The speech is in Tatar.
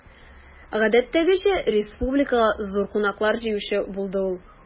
Гадәттәгечә, республикага зур кунаклар җыючы булды ул.